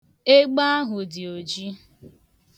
Egbe ahụ dị ojii.